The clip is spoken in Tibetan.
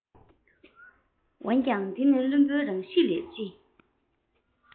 འོན ཀྱང འདི ནི བླུན པོའི རང གཤིས ལས ཅི